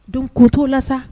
Don kuntu la sa